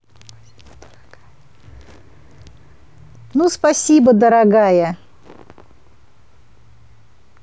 ну спасибо дорогая